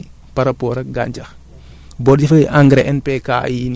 par rapport ak suuf mooy yeneen engrais yi par rapport ak gàncax